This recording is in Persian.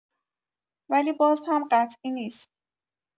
ولی باز هم قطعی نیست.